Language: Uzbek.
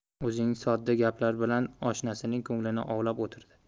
o'zining sodda gaplari bilan oshnasining ko'nglini ovlab o'tirdi